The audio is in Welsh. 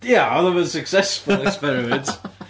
Ia, oedd o'm yn successful experiment